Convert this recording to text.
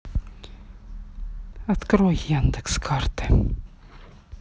открой яндекс карты